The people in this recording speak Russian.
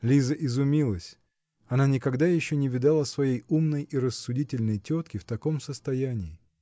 Лиза изумилась: она никогда еще не видала своей умной и рассудительной тетки в таком состоянии.